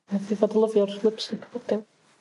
Heb 'di fod yn lyfio'r lipstick dipyn.